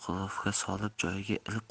solib joyiga ilib qo'ydik